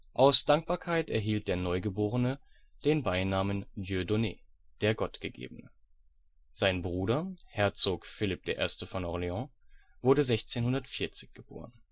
Aus Dankbarkeit erhielt der Neugeborene den Beinamen Dieudonné (der Gottgegebene). Sein Bruder, Herzog Philipp I. von Orléans, wurde 1640 geboren